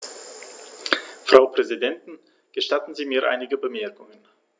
Frau Präsidentin, gestatten Sie mir einige Bemerkungen.